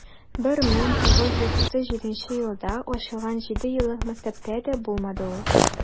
1937 елда ачылган җидееллык мәктәптә дә булмады ул.